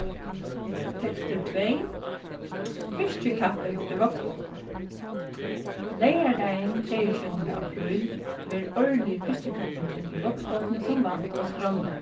tekstur tvey fiskikapping í vágsbotni leygardagin sjeyogtjúgunda apríl verður árligi fiskikappingin í vágsbotni sum vant á skránni